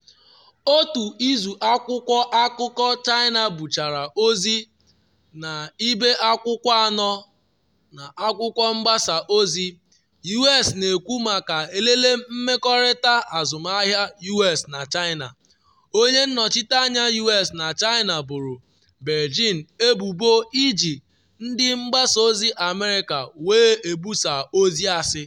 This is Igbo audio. Otu izu akwụkwọ akụkọ China buchara ozi n’ibe akwụkwọ anọ n’akwụkwọ mgbasa ozi U.S na-ekwu maka elele mmekọrịta azụmahịa U.S.-China, onye nnọchite anya U.S na China boro Beijing ebubo iji ndị mgbasa ozi America were ebusa ozi asị.